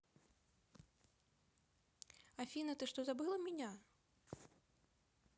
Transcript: афина ты что забыла меня